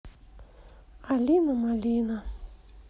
алина малина